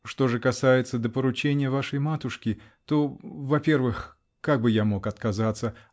Что же касается до поручения вашей матушки, -- то, во-первых, как бы я мог отказаться?